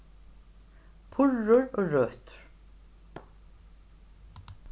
purrur og røtur